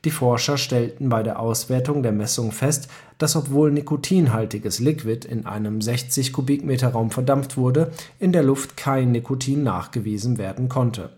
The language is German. Forscher stellten bei der Auswertung der Messungen fest, dass obwohl nikotinhaltiges Liquid in einem 60 m³-Raum verdampft wurde, in der Luft kein Nikotin nachgewiesen werden konnte